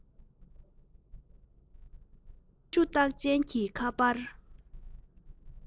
ཀུ ཤུ རྟགས ཅན གྱི ཁ པར